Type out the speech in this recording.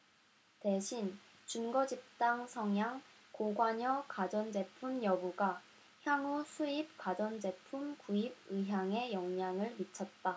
대신 준거집단 성향 고관여가전제품 여부가 향후수입 가전제품 구입 의향에 영향을 미쳤다